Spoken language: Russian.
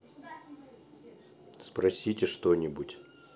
спросите что нибудь